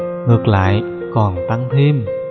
ngược lại còn tăng thêm